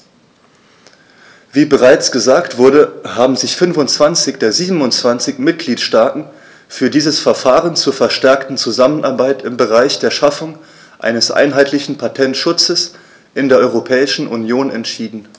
Wie bereits gesagt wurde, haben sich 25 der 27 Mitgliedstaaten für dieses Verfahren zur verstärkten Zusammenarbeit im Bereich der Schaffung eines einheitlichen Patentschutzes in der Europäischen Union entschieden.